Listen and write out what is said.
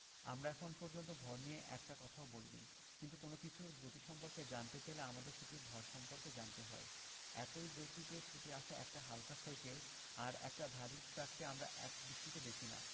আমরা এখন পর্যন্ত ভর নিয়ে একটি কথাও বলিনি কিন্তু কোনো কিছুর গতি সম্পর্কে জানতে চাইলে আমাদের সেটির ভর সম্পর্কে জানতে হয় একই গতিতে ছুটে আসা একটা হালকা সাইকেল আর একটা ভারী ট্রাককে আমরা একদৃষ্টিতে দেখি না